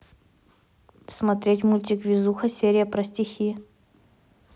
смотреть мультик везуха серия про стихи